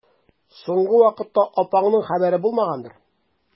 Соңгы вакытта апаңның хәбәре булмагандыр?